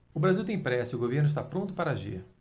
o brasil tem pressa e o governo está pronto para agir